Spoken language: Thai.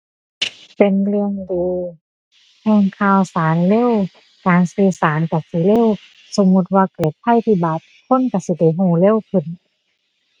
เป็นเรื่องดี รู้ข่าวสารเร็วการสื่อสารรู้สิเร็ว สมมุติว่าเกิดภัยพิบัติคนรู้สิได้รู้เร็วขึ้น